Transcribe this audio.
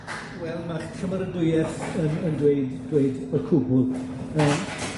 Wel, ma'r cymeradwyeth yn yn dweud, dweud y cwbwl yym.